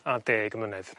a deg mlynedd